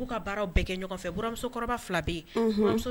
Fila bɛ